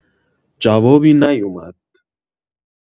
جوابی نیومد.